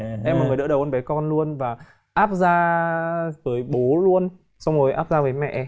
em là người đỡ đầu con bé con luôn và áp ra với bố luôn xong rồi áp ra với mẹ